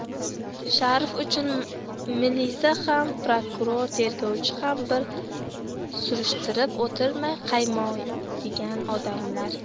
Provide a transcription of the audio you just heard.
sharif uchun milisa ham prokuror tergovchi ham bir surishtirib o'tirmay qamaydigan odamlar